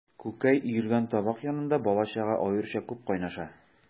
Күкәй өелгән табак янында бала-чага аеруча күп кайнаша.